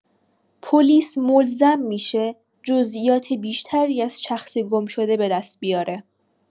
پلیس ملزم می‌شه جزئیات بیشتری از شخص گم‌شده به دست بیاره.